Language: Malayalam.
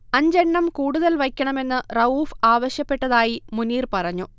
അഞ്ചെണ്ണം കൂടുതൽ വയ്ക്കണമെന്ന് റഊഫ് ആവശ്യപ്പെട്ടതായി മുനീർ പറഞ്ഞു